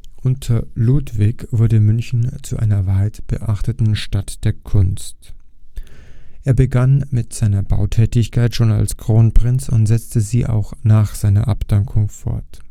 Unter Ludwig wurde München zu einer weit beachteten Stadt der Kunst. Er begann mit seiner Bautätigkeit schon als Kronprinz und setzte sie auch nach seiner Abdankung fort